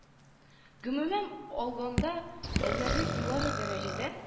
Гомумән алганда әзерлек югары дәрәҗәдә